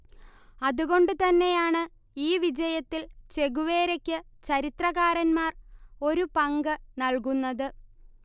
അതുകൊണ്ടുതന്നെയാണ് ഈ വിജയത്തിൽ ചെഗുവേരയ്ക്ക് ചരിത്രകാരന്മാർ ഒരു പങ്ക് നല്കുന്നത്